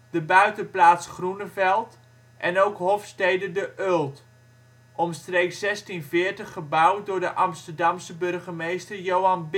de buitenplaats Groeneveld en ook hofstede ' De Eult ', omstreeks 1640 gebouwd door de Amsterdamse burgemeester Johan Bicker